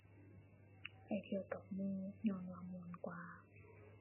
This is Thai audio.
ไปเที่ยวกับหมู่ ญ้อนว่าม่วนกว่า